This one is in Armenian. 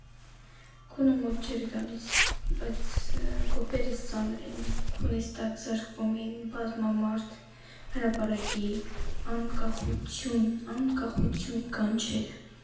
Քունը մոտ չէր գալիս, բայց կոպերս ծանր էին, քունքիս տակ զարկվում էին բազմամարդ հրապարակի «ան֊կախ֊ութ֊յո՜ւն, ան֊կախ֊ութ֊յո՜ւն» կանչերը։